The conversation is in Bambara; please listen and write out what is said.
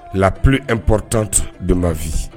la plus importante de ma vie